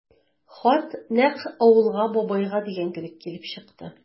Хат нәкъ «Авылга, бабайга» дигән кебек килеп чыкты.